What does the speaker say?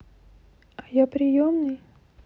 а я приемный